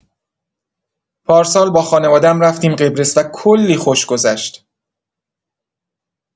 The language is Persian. پارسال با خانوادم رفتیم قبرس و کلی خوش گذشت.